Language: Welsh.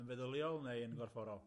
Yn feddyliol neu yn gorfforol?